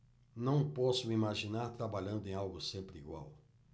não posso me imaginar trabalhando em algo sempre igual